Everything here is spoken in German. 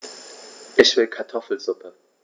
Ich will Kartoffelsuppe.